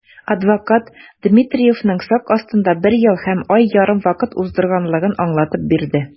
Адвокат Дмитриевның сак астында бер ел һәм ай ярым вакыт уздырганлыгын аңлатып бирде.